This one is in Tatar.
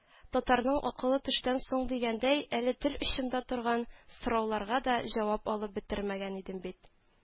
Татарның акылы төштән соң дигәндәй, әле тел очымда торган сорауларга да җавап алып бетермәгән идем бит